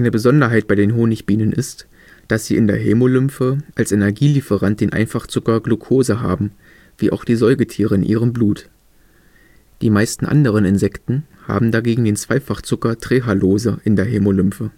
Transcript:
Besonderheit bei den Honigbienen ist, dass sie in der Hämolymphe als Energielieferant den Einfachzucker Glucose haben, wie auch die Säugetiere in ihrem Blut. Die meisten anderen Insekten haben dagegen den Zweifachzucker Trehalose in der Hämolymphe